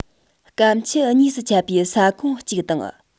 སྐམ ཆུ གཉིས སུ ཁྱབ པའི ས ཁོངས གཅིག དང